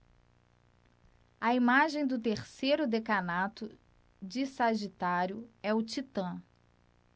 a imagem do terceiro decanato de sagitário é o titã